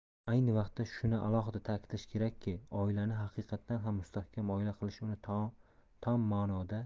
ayni vaqtda shuni alohida ta'kidlash kerakki oilani haqiqatan ham mustahkam oila qilish uni tom ma'noda